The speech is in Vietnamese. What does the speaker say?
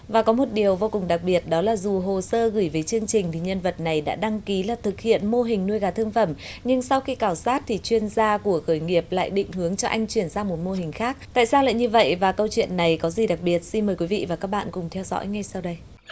và có một điều vô cùng đặc biệt đó là dù hồ sơ gửi về chương trình thì nhân vật này đã đăng ký là thực hiện mô hình nuôi gà thương phẩm nhưng sau khi khảo sát thì chuyên gia của khởi nghiệp lại định hướng cho anh chuyển sang một mô hình khác tại sao lại như vậy và câu chuyện này có gì đặc biệt xin mời quý vị và các bạn cùng theo dõi ngay sau đây